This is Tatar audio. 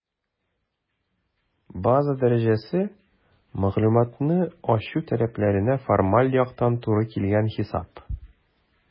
«база дәрәҗәсе» - мәгълүматны ачу таләпләренә формаль яктан туры килгән хисап.